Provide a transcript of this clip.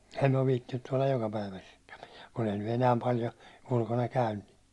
en on viitsinyt tuolla jokapäiväisestikään pitää kun ei nyt enää paljon ulkona käyn niin